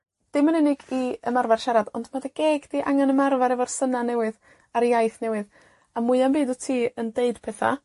Dim yn unig i ymarfar siarad, ond ma' dy geg di angen ymarfar efor syna newydd, a'r iaith newydd, a mwya 'm byd wt ti yn deud petha,